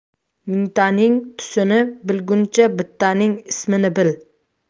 mingtaning tusini bilguncha bittaning ismini bil